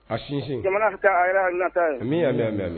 A sinsin jamana ka a yɛrɛ la ka min' mɛn mɛn